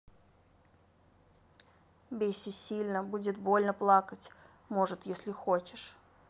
бейся сильно будет больно плакать может если хочешь